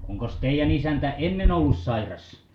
onkos teidän isäntä ennen ollut sairas